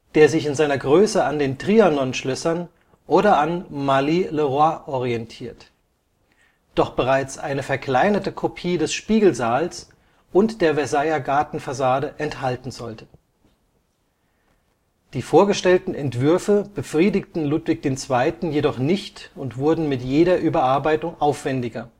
der sich in seiner Größe an den Trianon-Schlössern oder an Marly-le-Roi orientiert, doch bereits eine verkleinerte Kopie des Spiegelsaals und der Versailler Gartenfassade enthalten sollte. Die vorgestellten Entwürfe befriedigten Ludwig II. jedoch nicht und wurden mit jeder Überarbeitung aufwendiger